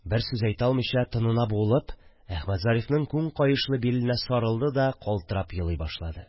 Бер сүз әйтә алмыйча тынына буылып, Әхмәтзарифның күн каешлы биленә сарылды да, калтырап елый башлады